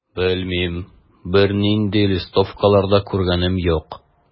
Белмим, бернинди листовкалар да күргәнем юк.